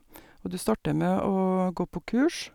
Og du starter med å gå på kurs.